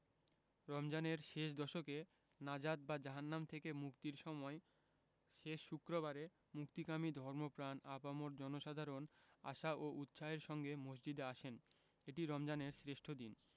রমজানের শেষ দশকে নাজাত বা জাহান্নাম থেকে মুক্তির সময়ে শেষ শুক্রবারে মুক্তিকামী ধর্মপ্রাণ আপামর জনসাধারণ আশা ও উৎসাহের সঙ্গে মসজিদে আসেন এটি রমজানের শ্রেষ্ঠ দিন